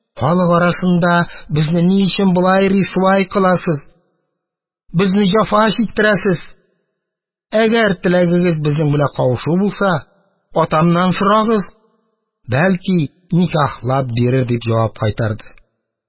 Халык арасында безне ни өчен болай рисвай кыласыз, безне җәфа чиктерәсез, әгәр теләгегез безнең белән кушылу булса, атамнан сорагыз, бәлки, никахлап бирер, – дип җавап кайтарды